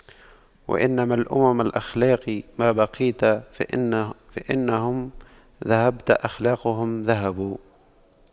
وإنما الأمم الأخلاق ما بقيت فإن هم ذهبت أخلاقهم ذهبوا